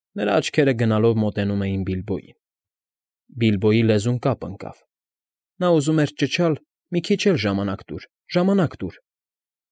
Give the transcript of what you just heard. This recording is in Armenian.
Նրա աչքերը գնալով մոտենում էին Բիլբոյին… Բիլբոյի լեզուն կապ ընկավ. նա ուզում էր ճչալ. «Մի քիչ էլ ժամանակ տուր… ժամանակ տուր…»։